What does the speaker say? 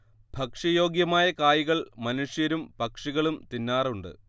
ഭക്ഷ്യയോഗ്യമായ കായ്കൾ മനുഷ്യരും പക്ഷികളും തിന്നാറുണ്ട്